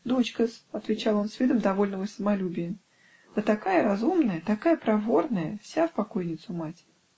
"Дочка-с, -- отвечал он с видом довольного самолюбия, -- да такая разумная, такая проворная, вся в покойницу мать".